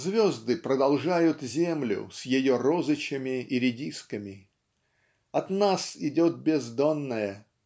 звезды продолжают землю с ее Розычами и редисками. От нас идет бездонное